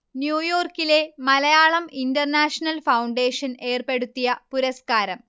ന്യൂയോർക്കിലെ Malayalam international foundation ഏർപ്പെടുത്തിയ പുരസ്കാരം